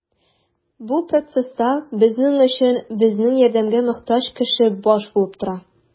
Бу процесста безнең өчен безнең ярдәмгә мохтаҗ кеше баш булып тора.